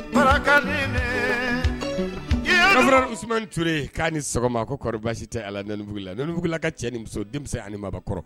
Baar ka di de! grand frère Usmane Ture Nɔnibugula, Nɔnibugula ka cɛ ni muso denmisɛn ani maakɔkɔrɔ